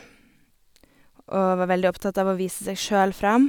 Og var veldig opptatt av å vise seg sjøl fram.